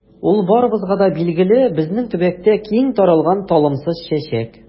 Ул барыбызга да билгеле, безнең төбәктә киң таралган талымсыз чәчәк.